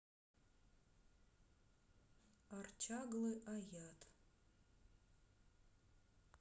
арчаглы аят